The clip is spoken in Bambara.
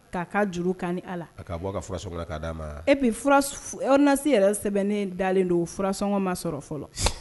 K'a ka juru kan a ka bɔ a ka' d dia mara e se yɛrɛ sɛbɛn ne dalen don furasɔngɔ ma sɔrɔ fɔlɔ